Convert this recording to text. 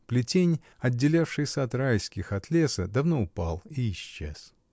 Плетень, отделявший сад Райских от леса, давно упал и исчез.